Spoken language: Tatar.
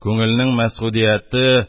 Күңелнең мәсгудияте